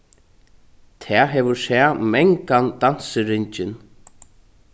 tað hevur sæð mangan dansiringin